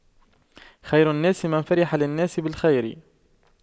خير الناس من فرح للناس بالخير